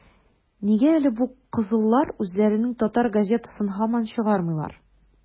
- нигә әле бу кызыллар үзләренең татар газетасын һаман чыгармыйлар?